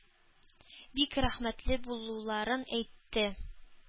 Бик рәхмәтле булуларын әйтте,